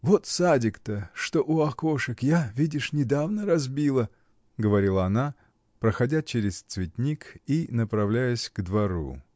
Вот садик-то, что у окошек, я, видишь, недавно разбила, — говорила она, проходя чрез цветник и направляясь к двору.